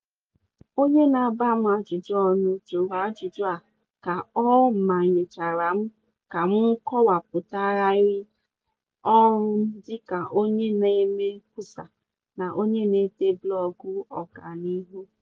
Onye na-agba m ajụjụ ọnụ jụrụ ajụjụ a ka ọ manyechara m ka m kọwapụtagharịa ọrụ m dịka onye na-eme nkwusa na onye na-ede blọọgụ ọganihu.